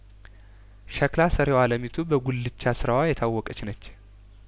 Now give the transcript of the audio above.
ሸክላ ሰሪዋ አለሚ ቱ በጉልቻ ስራዋ የታወቀችነች